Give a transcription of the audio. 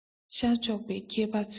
ཤར ཕྱོགས པའི མཁས པ ཚོས ཟེར ན